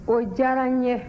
o diyara n ye